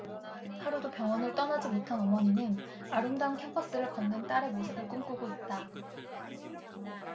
하루도 병원을 떠나지 못한 어머니는 아름다운 캠퍼스를 걷는 딸의 모습을 꿈꾸고 있다